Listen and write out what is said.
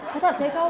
có thật thế không